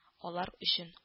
Алар өчен